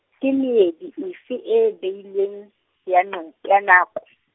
ke meedi efe e beilweng, ya no, ya nako?